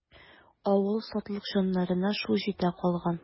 Авыл сатлыкҗаннарына шул җитә калган.